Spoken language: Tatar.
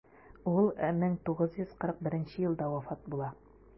Ул 1941 елда вафат була.